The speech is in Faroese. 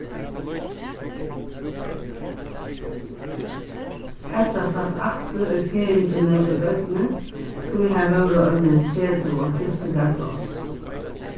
hetta sæst aftur í ferðingini í oynni tí har vóru eini tretivu gistingarpláss